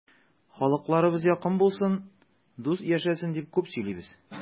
Халыкларыбыз якын булсын, дус яшәсен дип күп сөйлибез.